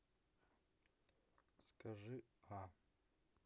скажи а